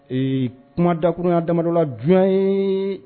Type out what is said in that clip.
Ee kuma dakurunya damadɔla jɔn ye